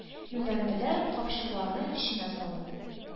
Юнәлделәр, капчыкларны эченә салып.